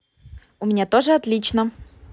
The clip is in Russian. у меня тоже отлично